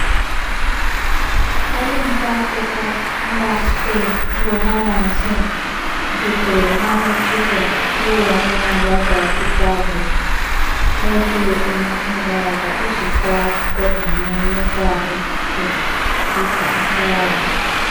Onye ntaakụkọ mba Spain bụ Hernán Zin zutere Namujimbo n'ụlọọrụ ya mgbe ọ gara Bukavu n'oge okpomọkụ gara aga iji kọọ akụkọ banyere mmekọahụ n'ike dịka ngwa agha.